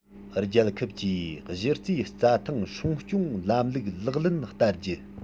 རྒྱལ ཁབ ཀྱིས གཞི རྩའི རྩྭ ཐང སྲུང སྐྱོང ལམ ལུགས ལག ལེན བསྟར རྒྱུ